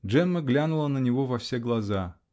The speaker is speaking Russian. Джемма глянула на него во все глаза.